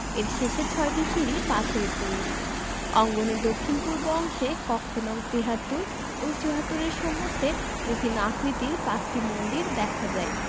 এর শেষের ছয়টি সিঁড়ি পাথরের তৈরি অঙ্গনের দক্ষিণ পূর্ব অংশে কক্ষ নং ৭৩ এবং ৭৪ এর সম্মুখে বিভিন্ন আকৃতির ৫টি মন্দির দেখা যায়